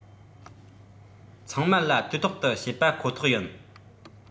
ཚང མར ལ དུས ཐོག ཏུ བཤད པ ཁོ ཐག ཡིན